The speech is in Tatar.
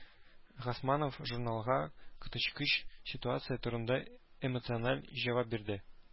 Госманов журналга коточкыч ситуация турында эмоциональ җавап бирде.